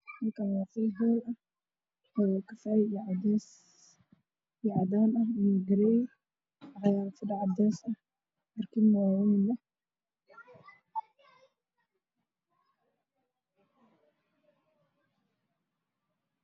Waa qol waxaa ka daaran leer cadaan ah darbiga waa dahabi fadhi ayaa yaalo caddays